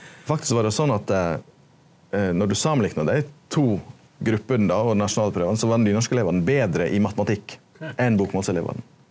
faktisk var det sånn at når du samanlikna dei to gruppene då og nasjonale prøvane så var nynorskelevane betre i matematikk enn bokmålselevane.